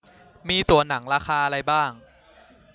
มีตั๋วหนังราคาไหนบ้าง